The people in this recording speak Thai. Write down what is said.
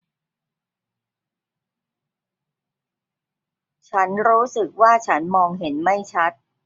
ฉันรู้สึกว่าฉันมองเห็นไม่ชัด